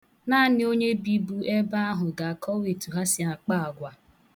Naanị onye bibu ebe ahụ ga-akọwa etu ha si akpa agwa.